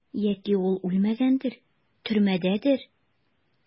Яки ул үлмәгәндер, төрмәдәдер?